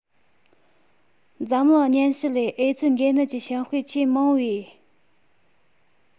འཛམ གླིང སྙན ཞུ ལས ཨེ ཙི འགོས ནད ཀྱི བྱུང དཔེ ཆེས མང པའི